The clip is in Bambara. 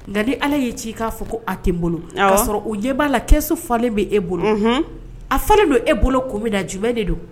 Nka ni ala y'i ci i k'a fɔ ko a tɛ n bolo'a sɔrɔ o ɲɛ b'a la kɛso falenlen bɛ e bolo a falenlen don e bolo ko bɛda jum de don